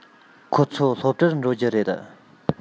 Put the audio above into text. ཁོ ཚོ སློབ གྲྭར འགྲོ རྒྱུ རེད